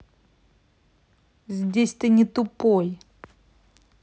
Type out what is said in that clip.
здесь ты не тупой